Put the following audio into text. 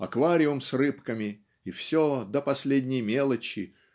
аквариум с рыбками и все до последней мелочи